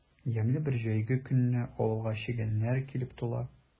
Ямьле бер җәйге көнне авылга чегәннәр килеп тула.